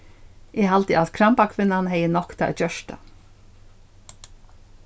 eg haldi at krambakvinnan hevði noktað at gjørt tað